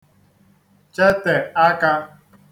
chetè akā